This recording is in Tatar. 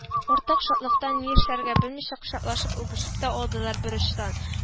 Уртак шатлыктан ни эшләргә белмичә кочаклашып-үбешеп тә алдылар берочтан